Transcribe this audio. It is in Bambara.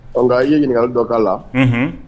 Nka i ye ɲininkaka dɔka la